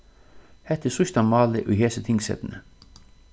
hetta er síðsta málið í hesi tingsetuni